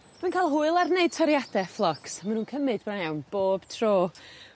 Dwi'n ca'l hwyl ar neud toriade phlox ma' nw'n cymyd da iawn bob tro